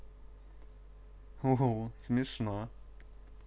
угу смешно